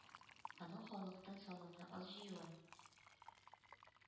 Аның халыктан салымны аз җыюын,